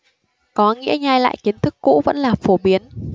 có nghĩa nhai lại kiến thức cũ vẫn là phổ biến